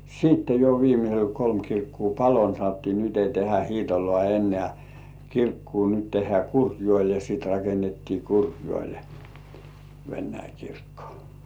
sitten jo viimeisellä kolme kirkkoa paloi niin sanottiin nyt ei tehdä Hiitolaan enää kirkkoa nyt tehdään Kurkijoelle ja sitten rakennettiin Kurkijoelle Venäläinen kirkko